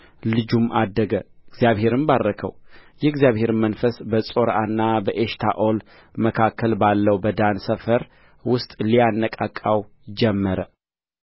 ልጁም አደገ እግዚአብሔርም ባረከው የእግዚአብሔርም መንፈስ በጾርዓና በኤሽታኦል መካከል ባለው በዳን ሰፈር ውስጥ ሊያነቃቃው ጀመረ